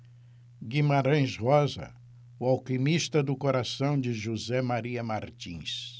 guimarães rosa o alquimista do coração de josé maria martins